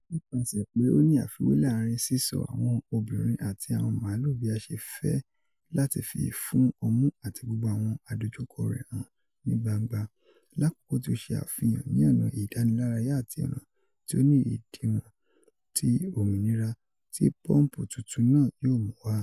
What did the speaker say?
Nipasẹ pe o ni afiwe laarin sisọ awọn obinrin ati awọn maalu bi a ṣe fẹ lati fi fifun ọmu ati gbogbo awọn adojukọ rẹ han ni gbangba, lakoko ti o ṣe afihan ni ọna idanilaraya ati ọna ti o ni idiwọn ti ominira ti pọmpu tuntun naa yoo mu wa.